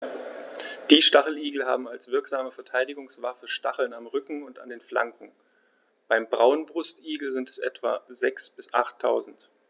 Die Stacheligel haben als wirksame Verteidigungswaffe Stacheln am Rücken und an den Flanken (beim Braunbrustigel sind es etwa sechs- bis achttausend).